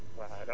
Bouchra